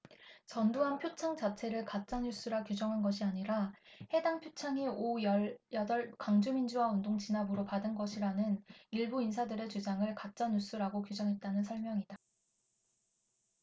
전두환 표창 자체를 가짜 뉴스라 규정한 것이 아니라 해당 표창이 오 열 여덟 광주민주화 운동 진압으로 받은 것이라는 일부 인사들의 주장을 가짜 뉴스라고 규정했다는 설명이다